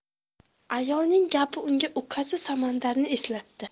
ayolning gapi unga ukasi samandarni eslatdi